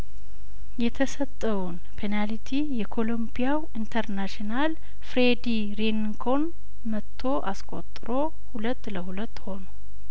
የተሰጠውን ፔናልቲ የኮሎምፒያው ኢንተርናሽናል ፍሬዲሪንኮን መቶ አስቆጥሮ ሁለት ለሁለት ሆኑ